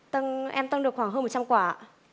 tâng em tâng được khoảng hơn một trăm quả ạ